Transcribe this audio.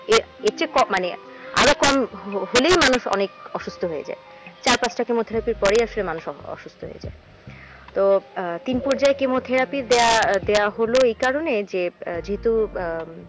এর চেয়ে আরো কম হলেই মানুষ আরো অনেক অসুস্থ হয়ে যায় চার পাঁচটা কেমোথেরাপির পরই মানুষ আসলে অসুস্থ হয়ে যায় তো তিন পর্যায়ে কেমোথেরাপি দেয়া দেয়া হলো এ কারণে যে যেহেতু